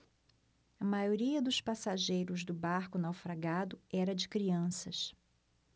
a maioria dos passageiros do barco naufragado era de crianças